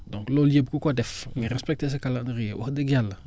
donc loolu yëpp ku ko def nga respecté sa calendrier wax dëgg yàlla